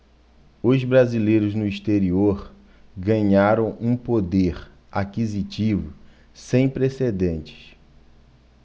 os brasileiros no exterior ganharam um poder aquisitivo sem precedentes